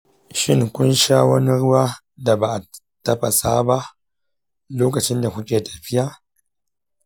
shin kun sha wani ruwa da ba a tafasa ba lokacin da kuke tafiya?